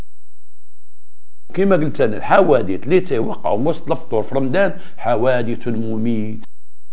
قيمه الانسان الحوادث في رمضان حوادث